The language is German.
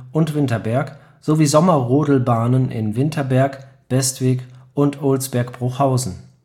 und Winterberg sowie Sommerrodelbahnen in Winterberg, Bestwig (Fort Fun) und Olsberg-Bruchhausen